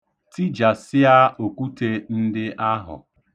Tijasịa okwute ndị ahụ.